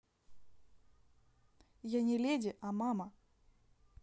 я не леди а мама